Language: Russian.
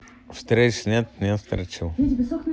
встречи нет не навстречу